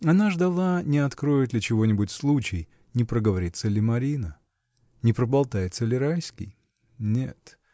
Она ждала, не откроет ли чего-нибудь случай, не проговорится ли Марина? Не проболтается ли Райский? Нет.